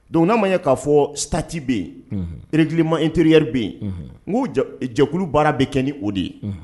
Donc n'a ma ɲa k'a fɔɔ statut be ye unhun règlement intérieur be ye unhun ŋ'o jɛk e jɛkulu baara be kɛ ni o de ye unhun